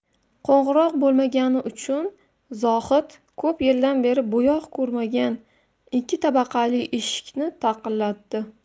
qo'ng'iroq bo'lmagani uchun zohid ko'p yildan beri bo'yoq ko'rmagan ikki tabaqali eshikni taqillatdi